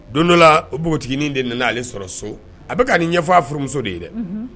Don dɔ npogoinin de nana ale sɔrɔ so a bɛ ka nin yafafa furumuso de ye dɛ